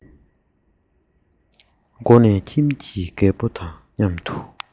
སྒོ ནས ཁྱིམ གྱི རྒད པོ དང མཉམ དུ